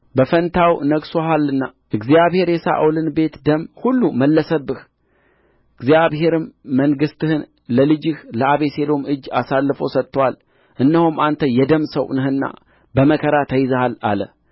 በፋንታው ነግሠሃልና እግዚአብሔር የሳኦልን ቤት ደም ሁሉ መለሰብህ እግዚአብሔርም መንግሥትን ለልጅህ ለአቤሴሎም እጅ አሳልፎ ሰጥቶታል እነሆም አንተ የደም ሰው ነህና በመከራ ተይዘሃል አለ